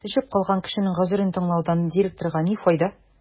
Төшеп калган кешенең гозерен тыңлаудан директорга ни файда?